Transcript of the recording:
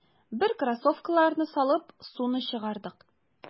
Без кроссовкаларны салып, суны чыгардык.